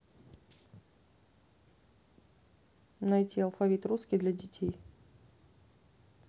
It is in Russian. найти алфавит русский для детей